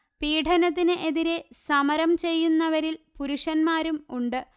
പീഡനത്തിനെതിരെെ സമരം ചെയ്യുന്നവരിൽ പുരുഷന്മാരും ഉണ്ട്